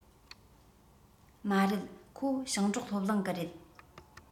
མ རེད ཁོ ཞིང འབྲོག སློབ གླིང གི རེད